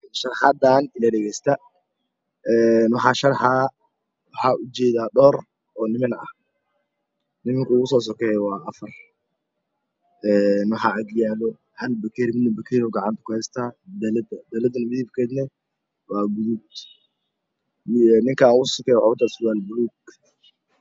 Sharaxaadaan ila dhagaysta een waxaa sharaxaa waxaa ujeedaa dhowr oo niman ah ninmanka oogu soo sokeeyo waa 4 een waxaa agyaalo hal bakeeri midna bakeeri uu gacanta ku haystaa dalada daladana midabkeedna waa guduud een ninka oogu sokeyana wuxu wataa surwaal buluug